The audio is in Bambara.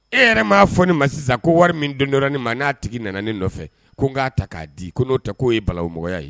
E yɛrɛ m'a fɔ ma sisan ko wari min don dɔ ma n'a tigi nanalen nɔfɛ ko n k'a ta k'a di ko n'o tɛ k'o ye balamɔgɔya ye